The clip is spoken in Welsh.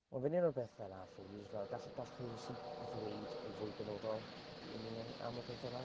Mae fe'n un o'r bethe 'na lle dwi jyst fel, gallech gallech chi jyst 'di ddweud yn fwy benodol i ni am y pethe 'ma?